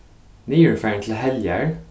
niður farin til heljar